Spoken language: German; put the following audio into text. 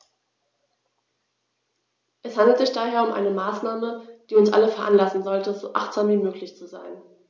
Es handelt sich daher um eine Maßnahme, die uns alle veranlassen sollte, so achtsam wie möglich zu sein.